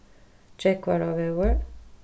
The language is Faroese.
gjógvarávegur